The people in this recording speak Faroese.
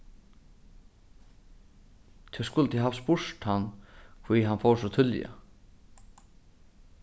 tú skuldi havt spurt hann hví hann fór so tíðliga